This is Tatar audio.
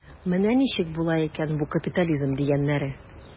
Менә ничек була икән бу капитализм дигәннәре.